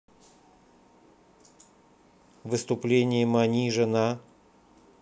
выступление manizha на